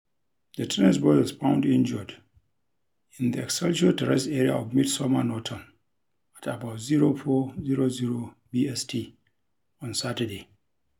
The teenage boy was found injured in the Excelsior Terrace area of Midsomer Norton, at about 04:00 BST on Saturday.